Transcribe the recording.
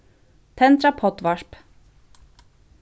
tendra poddvarp